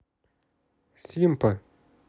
симпа